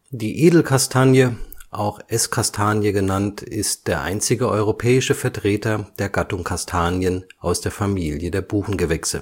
Die Edelkastanie (Castanea sativa), auch Esskastanie genannt, ist der einzige europäische Vertreter der Gattung Kastanien (Castanea) aus der Familie der Buchengewächse